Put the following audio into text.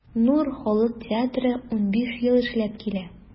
“нур” халык театры 15 ел эшләп килә.